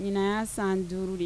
Ɲinan ya san 5 de ye.